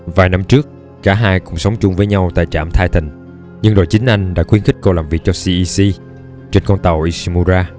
vài năm trước cả hai cùng sống chung với nhau tại trạm titan nhưng rồi chính anh đã khuyến khích cô làm việc cho cec trên con tàu ishimura